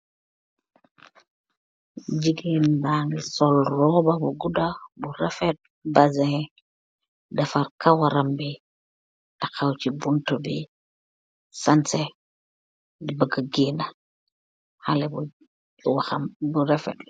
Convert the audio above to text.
Gigain bangy sol robah bu guda, bu rafet baazehng, defarr karawam bi, takhaw chi buntu bii, sanseh di buga genah, haleh bu wakham bu rafet.